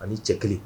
Ani ni cɛ kelen